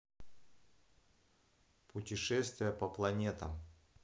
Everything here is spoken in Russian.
путешествие по планетам